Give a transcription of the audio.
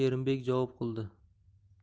sherimbek javob qildi